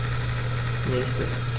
Nächstes.